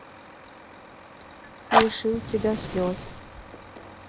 смешилки до слез